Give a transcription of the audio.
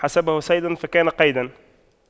حسبه صيدا فكان قيدا